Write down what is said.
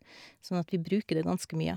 Sånn at vi bruker det ganske mye.